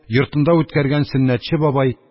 Йортында үткәргән сөннәтче